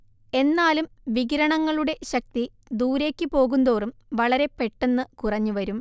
എന്നാലും വികിരണങ്ങളുടെ ശക്തി ദൂരേയ്ക്ക് പോകുന്തോറും വളരെപ്പെട്ടെന്ന് കുറഞ്ഞുവരും